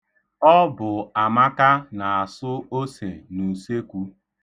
Ọ bụ Amaka na-asụ ose n'usekwu.